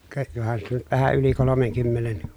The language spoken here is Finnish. ka johan siitä on nyt vähän yli kolmenkymmenen